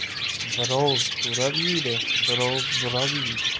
birov so'rab yeydi birov burab yeydi